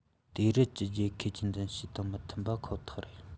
དེང རབས ཀྱི རྒྱལ ཁབ ཀྱི འདུ ཤེས དང མི མཐུན པ ཁོ ཐག རེད